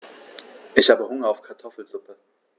Ich habe Hunger auf Kartoffelsuppe.